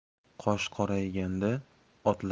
qosh qorayganda otlarni